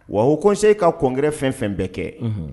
Wa u kɔnse e ka kɔnkɛɛrɛ fɛn fɛn bɛɛ kɛ